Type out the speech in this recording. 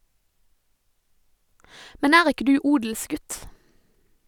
- Men er ikke du odelsgutt?